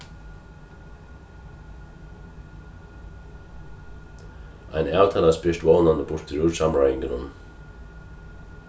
ein avtala spyrst vónandi burturúr samráðingunum